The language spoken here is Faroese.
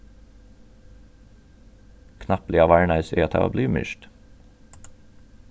knappliga varnaðist eg at tað var blivið myrkt